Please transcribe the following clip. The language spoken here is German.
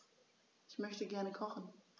Ich möchte gerne kochen.